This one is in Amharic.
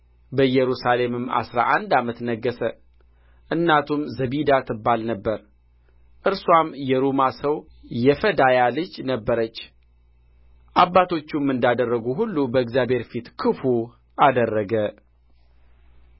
በኢየሩሳሌምም አሥራ አንድ ዓመት ነገሠ እናቱም ዘቢዳ ትባል ነበር እርስዋም የሩማ ሰው የፈዳያ ልጅ ነበረች አባቶቹም እንዳደረጉ ሁሉ በእግዚአብሔር ፊት ክፉ አደረገ